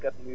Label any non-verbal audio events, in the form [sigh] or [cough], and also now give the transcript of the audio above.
[hesitation] [hesitation]